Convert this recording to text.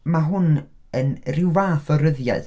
Mae hwn yn rhyw fath o ryddiaith.